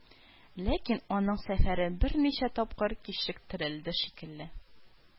Ләкин аның сәфәре берничә тапкыр кичектерелде шикелле